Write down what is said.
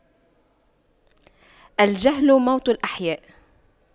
الجهل موت الأحياء